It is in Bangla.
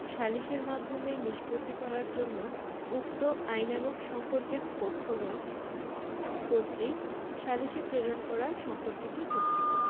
সালিসের মাধ্যমে নিষ্পত্তি করার জন্য উক্ত আইনানুগ সম্পর্কের পক্ষগণ কর্তৃক সালিসে প্রেরণ করা সম্পর্কিত চুক্তি